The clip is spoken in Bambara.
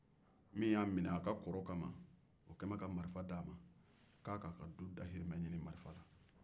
min y'a mine o kɛlen bɛ ka marifa di a ma k'a ka du dahirimɛ ɲini marifa la